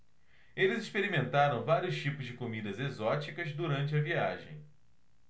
eles experimentaram vários tipos de comidas exóticas durante a viagem